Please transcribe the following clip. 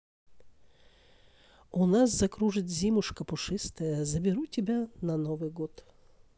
у нас закружит зимушка пушистая заберу тебя на новый год